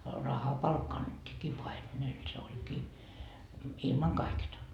rahapalkka annettiinkin paimenelle se olikin ilman kaiketta